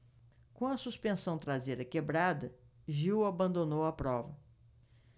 com a suspensão traseira quebrada gil abandonou a prova